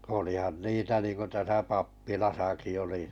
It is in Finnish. olihan niitä niin kuin tässä pappilassakin oli